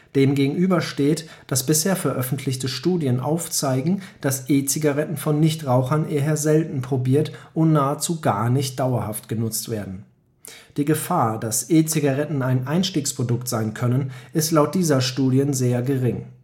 Dem gegenüber steht, dass bisher veröffentlichte Studien aufzeigen, dass E-Zigaretten von Nichtrauchern eher selten probiert und nahezu gar nicht dauerhaft genutzt werden. Die Gefahr, dass E-Zigaretten ein Einstiegsprodukt sein können, ist laut dieser Studien sehr gering